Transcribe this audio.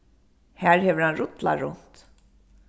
har hevur hann rullað runt